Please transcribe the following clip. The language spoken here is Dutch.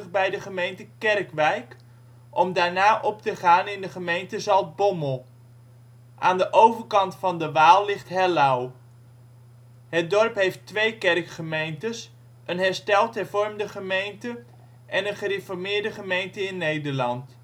bij de gemeente Kerkwijk, om daarna op te gaan in de gemeente Zaltbommel. Aan de overkant van de Waal ligt Hellouw. Het dorp heeft twee kerkgemeentes, een Hersteld Hervormde Gemeente en Gereformeerde Gemeente in Nederland